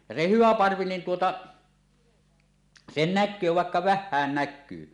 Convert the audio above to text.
ja se hyvä parvi niin tuota sen näkee vaikka vähänkin näkyy